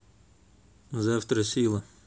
завтра сила